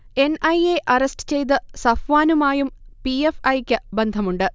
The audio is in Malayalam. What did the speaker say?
എൻ. ഐ. എ അറസ്റ്റ് ചെയ്ത സഫ്വാനുമായും പി. എഫ്. ഐ. ക്ക് ബന്ധമുണ്ട്